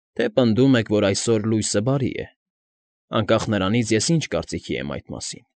Թե՞ պնդում եք, որ այս լույսը բարի է, անկախ նրանից՝ ես ինչ կարծիքի եմ այդ մասին։